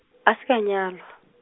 a se ka nyalwa.